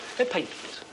Gai peint plîs?